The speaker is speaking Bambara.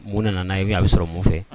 Mun nana' i aa bɛ sɔrɔ mun fɛ